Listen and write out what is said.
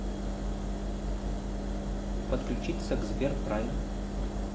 подключиться к сберпрайм